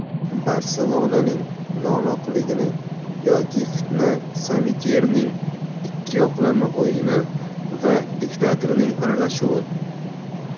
barselona ning no'noqligimi yoki fitna samityerning ikkiyoqlama o'yini va diktatorning aralashuvi